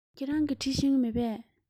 ཁྱེད རང གིས འབྲི ཤེས ཀྱི མེད པས